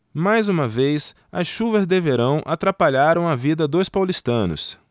mais uma vez as chuvas de verão atrapalharam a vida dos paulistanos